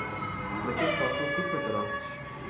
Бөтен тату күпме тора?